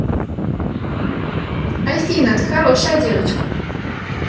афина ты хорошая девочка